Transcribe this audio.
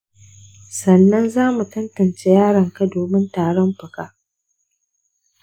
sannan za mu tantace yaronka domin tarin fuka.